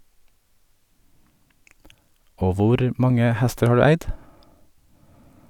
- Og hvor mange hester har du eid?